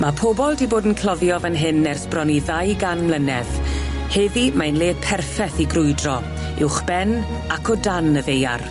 Ma' pobol 'di bod yn cloddio fan hyn ers bron i ddau gan mlynedd heddi mae'n le perffeth i grwydro uwchben ac o dan y ddaear.